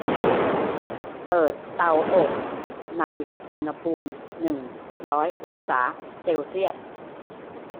เปิดเตาอบในอุณหภูมิหนึ่งร้อยองศาเซลเซียส